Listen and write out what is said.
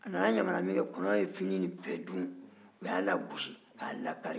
a nana ɲamana min kɛ kɔnɔw ye fini in bɛɛ dun u y'a lagosi k'a lakari